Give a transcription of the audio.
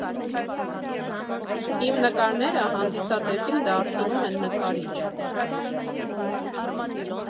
Իմ նկարները հանդիսատեսին դարձնում են նկարիչ։